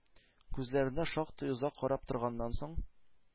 Күзләренә шактый озак карап торганнан соң,